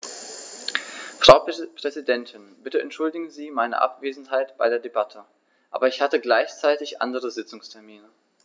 Frau Präsidentin, bitte entschuldigen Sie meine Abwesenheit bei der Debatte, aber ich hatte gleichzeitig andere Sitzungstermine.